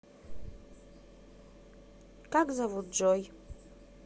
как зовут джой